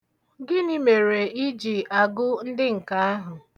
Gịnị mere ị ji agụ ndị nke ahụ?